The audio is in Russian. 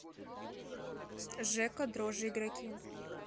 жека дрожжи игроки